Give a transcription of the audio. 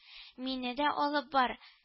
— мине дә алып бар